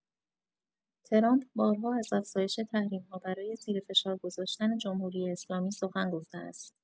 ترامپ بارها از افزایش تحریم‌ها برای زیر فشار گذاشتن جمهوری‌اسلامی سخن گفته است.